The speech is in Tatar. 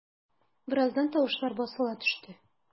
Бераздан тавышлар басыла төште.